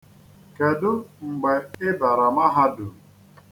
Kedu mgbe ị bara mahadum?